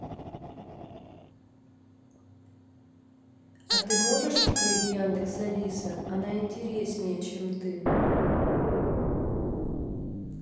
а ты можешь открыть яндекс алиса она интереснее чем ты